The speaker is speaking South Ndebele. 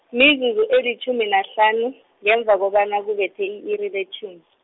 mizuzu elitjhumi nahlanu, ngemva kobana kubethe i-iri letjhumi.